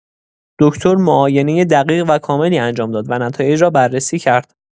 دکتر معاینه دقیق و کاملی انجام داد و نتایج را بررسی کرد.